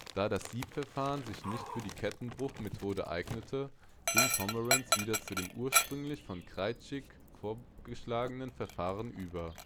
Da das Siebverfahren sich nicht für die Kettenbruchmethode eignete, ging Pomerance wieder zu dem ursprünglich von Kraitchik vorgeschlagenen Verfahren über